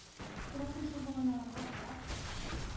Күрәсең, шул баганаларга карап